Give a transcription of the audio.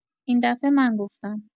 ایندفعه من گفتم